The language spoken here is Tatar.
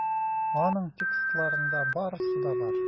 Аның текстларында барысы да бар.